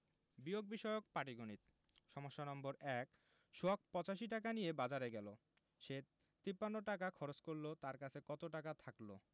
বিয়োগ বিষয়ক পাটিগনিতঃসমস্যা নম্বর ১ সোহাগ ৮৫ টাকা নিয়ে বাজারে গেল সে ৫৩ টাকা খরচ করল তার কাছে কত টাকা থাকল